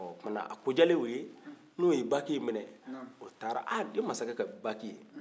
ɔ o tuma na a ko diyalen o ye n'o ye baki in minɛ o taara ha nin ye masakɛ ka baki ye